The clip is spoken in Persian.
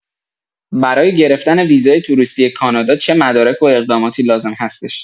برای گرفتن ویزای توریستی کانادا چه مدارک و اقداماتی لازم هستش؟